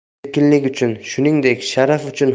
erkinlik uchun shuningdek sharaf uchun